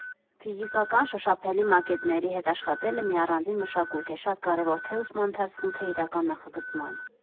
Ֆիզիկական, շոշափելի մակետների հետ աշխատելը մի առանձին մշակույթ է, շատ կարևոր թե՛ ուսման ընթացքում, թե՛ իրական նախագծման։